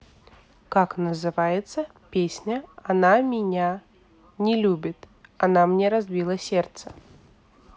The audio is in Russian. как называется песня она меня не любит она мне разбила сердце